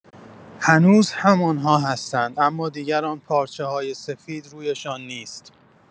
هنوز همان‌ها هستند، اما دیگر آن پارچه‌های سفید رویشان نیست.